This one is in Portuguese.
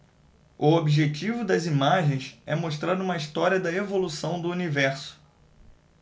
o objetivo das imagens é mostrar uma história da evolução do universo